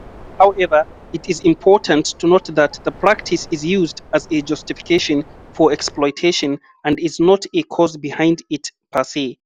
However, it is important to note that the practice is used as a justification for exploitation and is not a cause behind it per se.